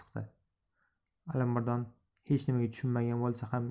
alimardon hech nimaga tushunmagan bo'lsa ham